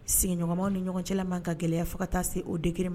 Sigiɲɔgɔnmaw ni ɲɔgɔn cɛla man ka gɛlɛya fo ka taa se o degré ma